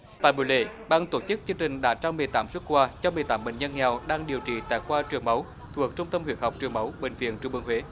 tại buổi lễ ban tổ chức chương trình đã trao mười tám suất quà cho mười tám bệnh nhân nghèo đang điều trị tại khoa truyền máu thuộc trung tâm huyết học truyền máu bệnh viện trung ương huế